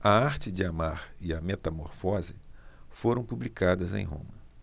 a arte de amar e a metamorfose foram publicadas em roma